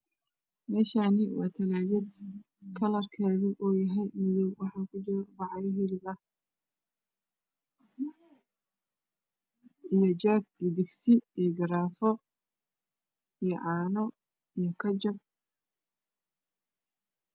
Meshaani waa talagad kalar keedu ow yahay madoow waxaa ku jira bacyo hilib ah iyo joog iyo digsi garafo iyo cano iyo kajab